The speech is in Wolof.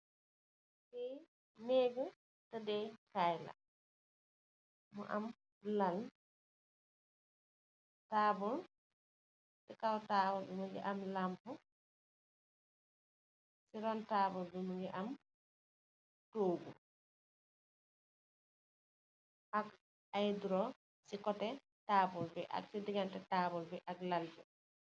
Li negeh tedeh kaila munge am lal tabul si kaw tabul bi munge am lampu ruun tabul bi munge am togu ak aye draw si koteh tabul bi akai tegenteh tabul bi ak lal bi.